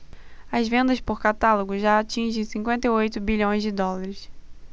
as vendas por catálogo já atingem cinquenta e oito bilhões de dólares